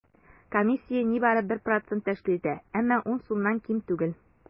Комиссия нибары 1 процент тәшкил итә, әмма 10 сумнан ким түгел.